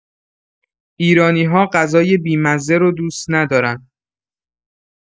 ایرانی‌‌ها غذای بی‌مزه رو دوست ندارن.